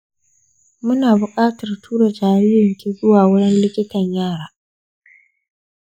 muna buƙatar tura jaririnki zuwa wurin likitan yara